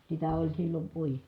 sitä oli silloin -